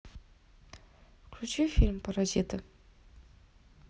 включи фильм паразиты